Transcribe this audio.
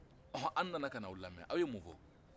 ɔnhɔn anw nana ka n'a lamɛ aw ye mun